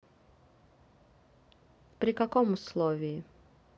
при каком условии